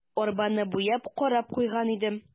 Арбаны буяп, карап куйган идем.